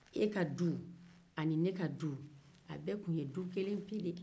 e ka du ani ne ka du a bɛ tun ye du kelenpe de ye